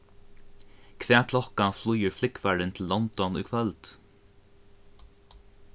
hvat klokkan flýgur flúgvarin til london í kvøld